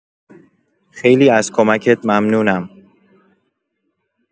خیلی از کمکت ممنونم.